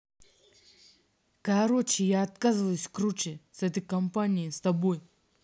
короче я отказываюсь круче с этой компанией с тобой